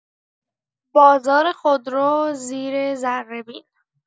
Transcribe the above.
بازار خودرو زیر ذره‌بین